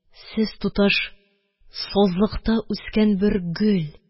Сез, туташ, сазлыкта үскән бер гөл.